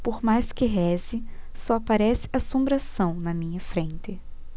por mais que reze só aparece assombração na minha frente